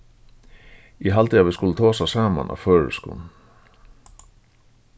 eg haldi at vit skulu tosa saman á føroyskum